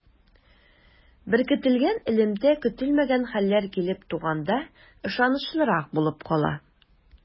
Беркетелгән элемтә көтелмәгән хәлләр килеп туганда ышанычлырак булып кала.